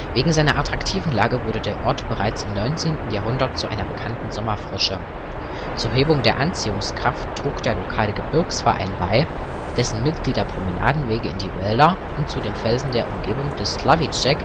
Wegen seiner attraktiven Lage wurde der Ort bereits im 19. Jahrhundert zu einer bekannten Sommerfrische. Zur Hebung der Anziehungskraft trug der lokale Gebirgsverein bei, dessen Mitglieder Promenadenwege in die Wälder und zu den Felsen der Umgebung des Slavíček (Slabitschken